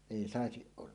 ei saisi olla